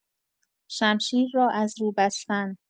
شمشیر را از رو بستن